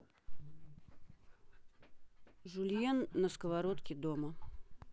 жульен на сковороде дома